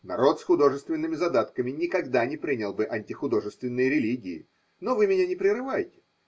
Народ с художественными задатками никогда не принял бы антихудожественной религии. Но вы меня не прерывайте.